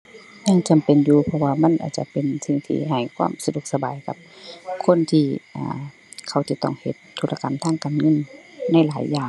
ยังจำเป็นอยู่เพราะว่ามันอาจจะเป็นสิ่งที่ให้ความสะดวกสบายกับคนที่ อ่า เขาจะต้องเฮ็ดธุรกรรมทางการเงินในหลายอย่าง